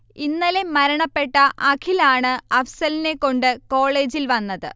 ഇന്നലെ മരണപ്പെട്ട അഖിലാണ് അഫ്സലിനെ കൊണ്ട് കോളേജിൽ വന്നത്